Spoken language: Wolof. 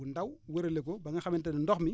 bu ndaw wërale ko ba nga xamanate ne ndox mi